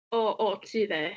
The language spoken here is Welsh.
O o'r tŷ, de.